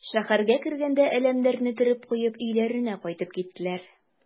Шәһәргә кергәндә әләмнәрне төреп куеп өйләренә кайтып киттеләр.